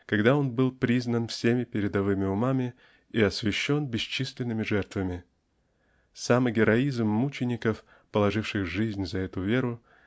когда он был признан всеми передовыми умами и освящен бесчисленными жертвами? Самый героизм мучеников положивших жизнь за эту веру